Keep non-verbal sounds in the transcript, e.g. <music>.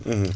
<hesitation> <hesitation>